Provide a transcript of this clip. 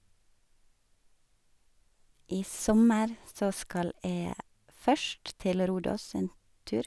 I sommer så skal jeg først til Rhodos en tur.